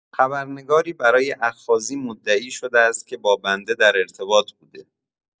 خبرنگاری برای اخاذی مدعی شده است که با بنده در ارتباط بوده